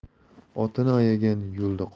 otini ayagan yo'lda